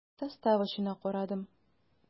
Состав очына карадым.